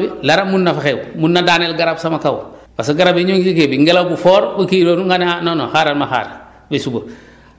parce que su ma fekkee si tool bi dara mun na fa xew mun na daaneel garab sama kaw parce que garab yi ñoo ngi si * bi ngelaw bu fort kii noonu nga ne ah non non xaaral ma xaar ba suba